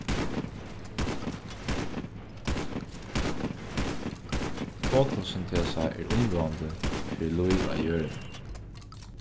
fotosyntesa er umráðandi fyri lív á jørðini